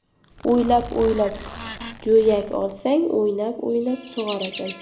o'ylab o'ylab jo'yak olsang o'ynab o'ynab sug'orasan